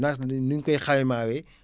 ndax ni ni ñu koy xaymawee